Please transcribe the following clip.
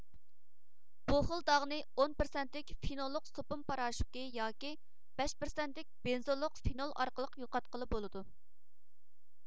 بۇ خىل داغنى ئون پىرسەنتلىك فىنوللۇق سوپۇن پاراشوكى ياكى بەش پىرسەنتلىك بېنزوللۇق فىنول ئارقىلىق يوقاتقىلى بولىدۇ